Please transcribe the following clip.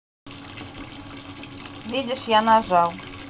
видишь я нажал